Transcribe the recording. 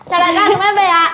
chào đại ca chúng em về ạ